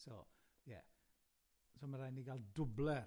So, ie, so ma' raid ni gael dwbler.